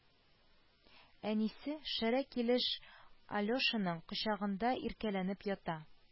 «әнисе» шәрә килеш алешаның кочагында иркәләнеп ята